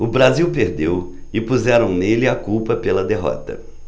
o brasil perdeu e puseram nele a culpa pela derrota